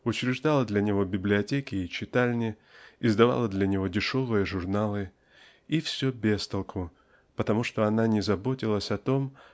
учреждала для него библиотеки и читальни издавала для него дешевые журналы -- и все без толку потому что она не заботилась о том